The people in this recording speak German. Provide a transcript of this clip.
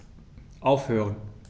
Aufhören.